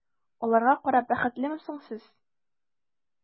Аларга карап бәхетлеме сез?